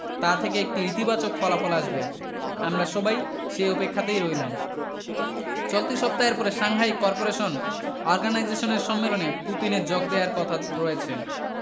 তা থেকে একটি ইতিবাচক ফলাফল আসবে আমরা সবাই সে অপেক্ষাতেই রইলাম চলতি সপ্তাহের পরে সাংহাই করপোরেশন অর্গানাইজেশনের সম্মেলনে পুতিনের যোগ দেওয়ার কথা রয়েছে